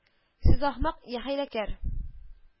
Сез ахмак, я хәйләкәр